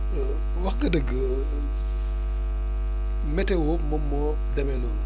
wax nga dëgg météo moom moo demee noonu